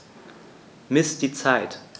Miss die Zeit.